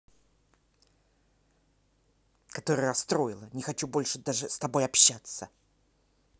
которая расстроила не хочу больше даже с тобой общаться